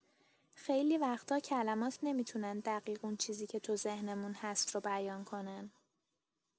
خیلی وقتا کلمات نمی‌تونن دقیق اون چیزی که تو ذهنمون هست رو بیان کنن.